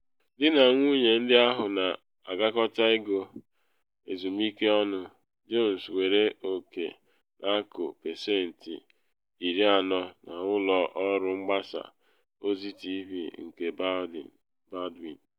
Di na nwunye ndị ahụ na agakọta ego ezumike ọnụ, Jones nwere oke n’akụ pasentị 40 n’ụlọ ọrụ mgbasa ozi TV nke Baldwin.